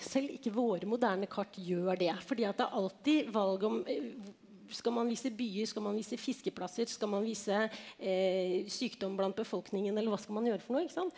selv ikke våre moderne kart gjør det fordi at det er alltid valg om skal man vise byer, skal man vise fiskeplasser, skal man vise sykdom blant befolkningen eller hva skal man gjør for noe ikke sant?